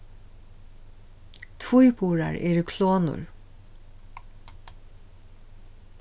tvíburar eru klonur